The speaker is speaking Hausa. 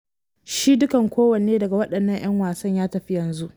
Shi dukkan kowane daga waɗannan ‘yan wasan ya tafi yanzu.